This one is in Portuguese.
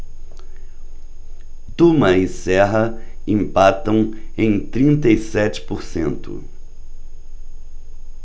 tuma e serra empatam em trinta e sete por cento